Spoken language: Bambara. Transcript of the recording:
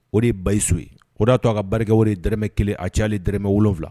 O de ye basiso ye oda tɔgɔ ka barikaw de dɛrɛmɛ kelen a cayaale dmɛ wolowula